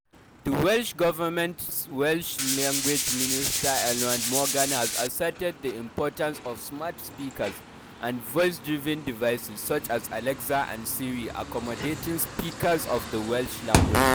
The Welsh government's Welsh language minister Eluned Morgan has asserted the importance of smart speakers and voice-driven devices such as Alexa and Siri accommodating speakers of the Welsh language.